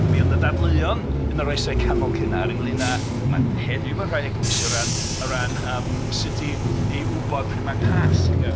Ac mi oedd 'na ddadleuon yn yr Oesau Canol cynnar ynglŷn â... Ma- heddiw 'ma mewn rhai eglwysi... o ran sut ymm sut i wybod pryd mae Pasg... Ia.